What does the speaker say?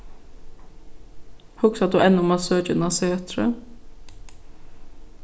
hugsar tú enn um at søkja inn á setrið